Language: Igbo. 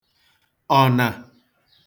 ọ̀nà